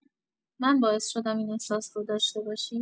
من باعث شدم این احساس رو داشته باشی؟